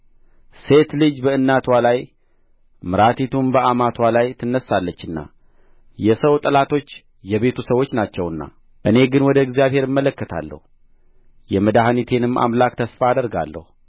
ሴት ልጅ በእናትዋ ላይ ምራቲቱም በአማትዋ ላይ ትነሣለችና የሰው ጠላቶች የቤቱ ሰዎች ናቸውና እኔ ግን ወደ እግዚአብሔር እመለከታለሁ የመድኃኒቴንም አምላክ ተስፋ አደርጋለሁ